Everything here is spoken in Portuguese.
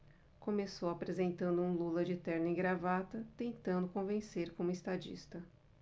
começou apresentando um lula de terno e gravata tentando convencer como estadista